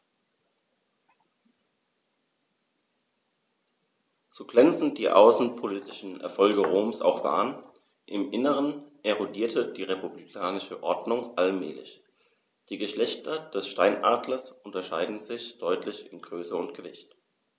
So glänzend die außenpolitischen Erfolge Roms auch waren: Im Inneren erodierte die republikanische Ordnung allmählich. Die Geschlechter des Steinadlers unterscheiden sich deutlich in Größe und Gewicht.